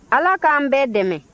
ala k'an bɛɛ dɛmɛ